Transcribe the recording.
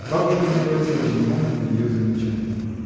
Бабушка не обратила внимания на ее замечание.